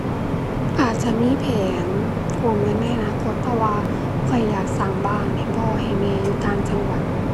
อาจจะมีแผนกู้เงินในอนาคต เพราะว่าข้อยอยากสร้างบ้านให้พ่อให้แม่ อยู่ต่างจังหวัด